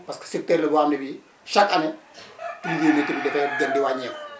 parce que secteur la boo xam ne bii chaque année pluviométrie dafay gën di wàññeeku